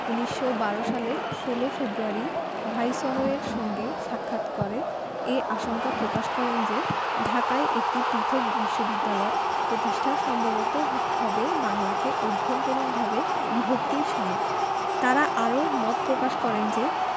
১৯১২ সালের ১৬ ফেব্রুয়ারি ভাইসরয়ের সঙ্গে সাক্ষাৎ করে এ আশঙ্কা প্রকাশ করেন যে ঢাকায় একটি পৃথক বিশ্ববিদ্যালয় প্রতিষ্ঠা সম্ভবত হবে বাংলাকে অভ্যন্তরীণভাবে বিভক্তির শামিল তাঁরা আরও মত প্রকাশ করেন যে